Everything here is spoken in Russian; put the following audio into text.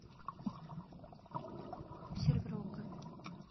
сервер okko